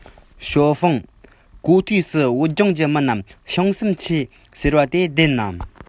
ཞའོ ཧྥུང གོ ཐོས སུ བོད ལྗོངས ཀྱི མི རྣམས བྱང སེམས ཆེ ཟེར བ དེ བདེན ནམ